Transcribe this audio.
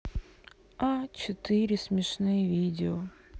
а четыре смешные видео